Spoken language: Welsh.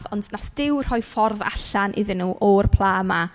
Ond wnaeth Duw rhoi ffordd allan iddyn nhw o'r pla 'ma.